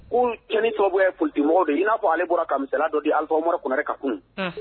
Ko cɛnɲɛni tɔgɔ bɛ kojugumɔgɔw de in na fɔale bɔra ka misala dɔ di alifamaɛ ka kun